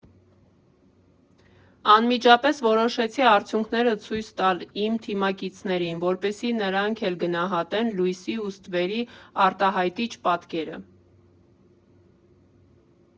Անմիջապես որոշեցի արդյունքները ցույց տալ իմ թիմակիցներին, որպեսզի նրանք էլ գնահատեն լույսի ու ստվերի արտահայտիչ պատկերը։